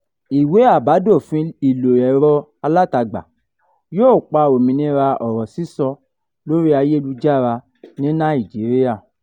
Ìwé àbádòfin ìlò ẹ̀rọ alátagbà yóò pa òmìnira ọ̀rọ̀ sísọ lórí ayélujára ní Nàìjíríà